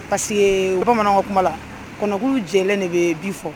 Parce que bamananw kuma la kɔnɔkun jɛ de bɛ bi fɔ